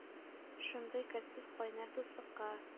Шундый керсез, кайнар дуслыкка!